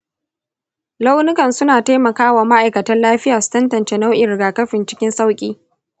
launukan suna taimaka wa ma’aikatan lafiya su tantance nau’in rigakafin cikin sauƙi.